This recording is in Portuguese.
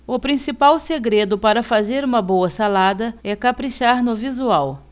o principal segredo para fazer uma boa salada é caprichar no visual